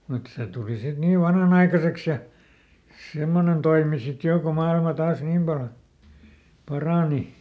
mutta se tuli sitten niin vanhanaikaiseksi ja semmoinen toimi sitten jo kun maailma taas niin paljon parani